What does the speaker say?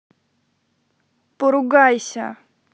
поругайся